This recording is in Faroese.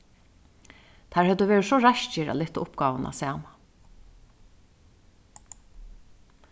teir høvdu verið so raskir at lyfta uppgávuna saman